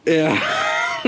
Ia .